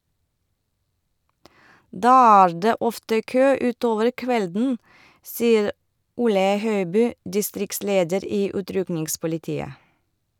Da er det ofte kø utover kvelden, sier Ole Høiby, distriktsleder i utrykningspolitiet.